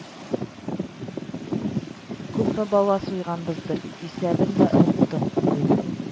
Күпме бала суйганбыздыр, исәбен дә оныттым, – диде